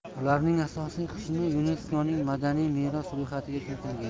ularning asosiy qismi yuneskoning madaniy meros ro'yxatiga kiritilgan